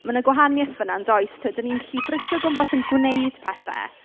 Mae 'na gwahaniaeth fan'na yn does, tibod dan ni'n gallu brysio gwmpas yn gwneud pethe.